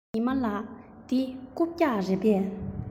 ཉི མ ལགས འདི རྐུབ བཀྱག རེད པས